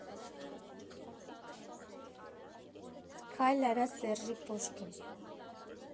֊ Քայլ արա Սեռժի պոշկին։